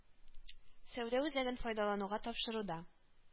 Сәүдә үзәген файдалануга тапшыруда